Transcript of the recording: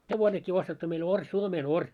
hevonenkin ostettu meille ori suomenori